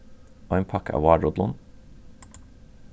ein pakka av várrullum